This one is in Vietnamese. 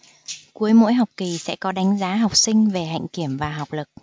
cuối mỗi học kỳ sẽ có đánh giá học sinh về hạnh kiểm và học lực